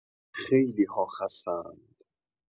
خیلی‌ها خسته‌اند!